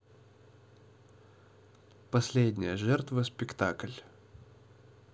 последняя жертва спектакль